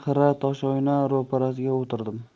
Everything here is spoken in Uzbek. xira toshoyna ro'parasiga o'tirdim